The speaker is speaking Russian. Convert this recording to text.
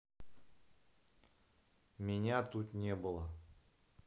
меня тут не было